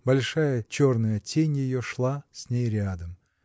большая черная тень ее шла с ней рядом